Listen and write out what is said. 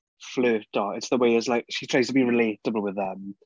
Fflyrto. It's the way as like... she tries to be relatable with them.